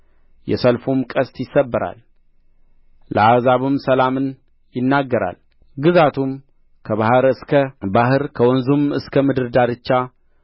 የሰልፉም ቀስት ይሰበራል ለአሕዛብም ሰላምን ይናገራል ግዛቱም ከባሕር እስከ ባሕር ከወንዙም እስከ ምድር ዳርቻ ድርስ ይሆናል